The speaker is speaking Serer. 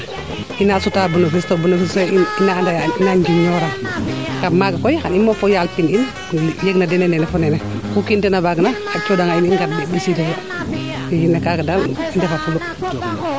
ina suta benefice to benefice fee ina njirño ran kam maaga koy xan i moof fo yaal pin in yeg na dene nene fo nene ku kiin teena waag na a cooxa nga in i ngar mbisiidoyo i mais no kaaga ndaal i ndefa fulu